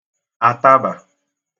ataba